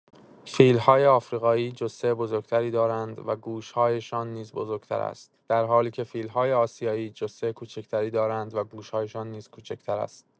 فیل‌های آفریقایی جثه بزرگ‌تری دارند و گوش‌هایشان نیز بزرگتر است، در حالی که فیل‌های آسیایی جثه کوچک‌تری دارند و گوش‌هایشان نیز کوچکتر است.